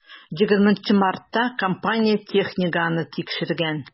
20 мартта компания технигы аны тикшергән.